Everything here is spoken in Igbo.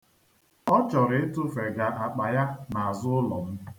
Ọ chọrọ ịtụfega akpa ya n'azụ ụlọ m.